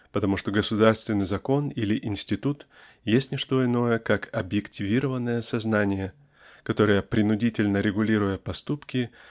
потому что государственный закон или институт есть не что иное как объективированное сознание которое принудительно регулируя поступки